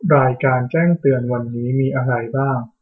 รายการแจ้งเตือนวันนี้มีอะไรบ้าง